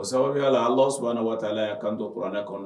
O sababuya la Alahu subahanahu wataala y'a kanto kuranɛ kɔnɔ